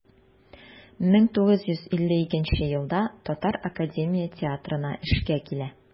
1952 елда татар академия театрына эшкә килә.